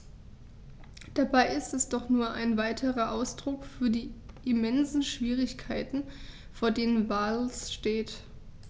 Dabei ist es doch nur ein weiterer Ausdruck für die immensen Schwierigkeiten, vor denen Wales steht.